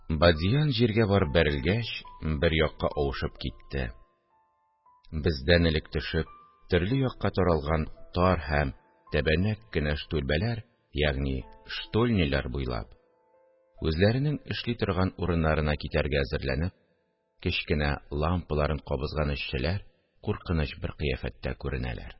Бадьян, җиргә барып бәрелгәч, бер якка авышып китте, бездән элек төшеп, төрле якка таралган тар һәм тәбәнәк кенә штулбәләр, ягъни штольнялар буйлап, үзләренең эшли торган урыннарына китәргә әзерләнеп, кечкенә лампаларын кабызган эшчеләр куркыныч бер кыяфәттә күренәләр